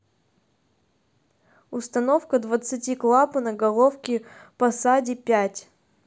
установка двадцати клапана головки посади пять